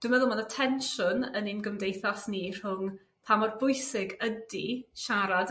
dwi meddwl ma' 'na tensiwn yn ein gymdeithas ni rhwng pa mor bwysig ydi siarad